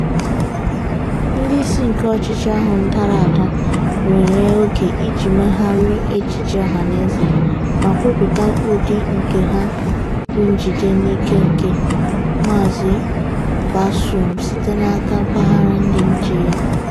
Ndị isi nke ọchịchị ahụ dara ada nwere oge iji megharịa echiche ọhanaeze ma kwupụta ụdị nke ha bụ njide n'ike nke Monsieur Bazoum site n'aka mpaghara ndị nche ya.